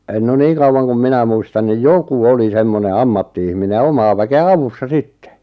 no niin kauan kuin minä muistan niin joku oli semmoinen ammatti-ihminen ja omaa väkeä avussa sitten